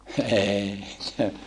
eikä